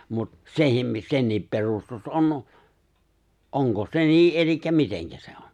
mutta sekin - senkin perustus on onko se niin eli miten se on